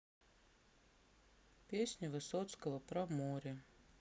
песни высоцкого про море